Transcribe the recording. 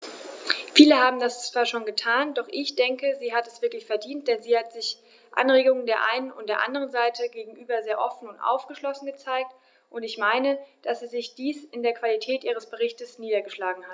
Viele haben das zwar schon getan, doch ich denke, sie hat es wirklich verdient, denn sie hat sich Anregungen der einen und anderen Seite gegenüber sehr offen und aufgeschlossen gezeigt, und ich meine, dass sich dies in der Qualität ihres Berichts niedergeschlagen hat.